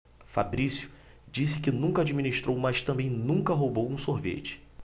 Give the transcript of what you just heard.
fabrício disse que nunca administrou mas também nunca roubou um sorvete